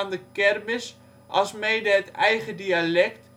de kermis alsmede het eigen dialect